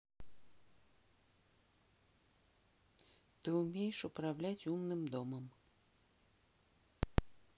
ты умеешь управлять умным домом